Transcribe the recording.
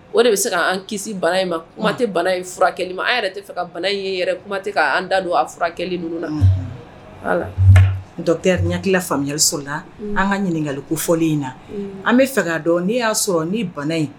O de bɛ se'an kisi bana in ma kumatɛ furakɛ an yɛrɛ tɛ fɛ ka bala yɛrɛ kumatɛ k'an da don an furakɛ ninnu kɛrala faamuyari sɔrɔ la an ka ɲininkakali kofɔlen in na an bɛ fɛ' dɔn n'i y'a sɔrɔ ni bana in